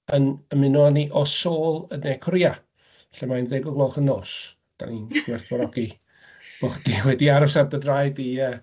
Yn ymuno â ni o Seoul yn Ne Korea, lle mae'n ddeg o'r gloch y nos. Dan ni'n gwerthfawrogi bod chdi wedi aros ar dy draed i yy...